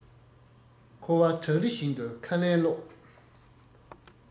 འཁོར བ བྲག རི བཞིན དུ ཁ ལན སློག